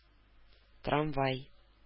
Трамвай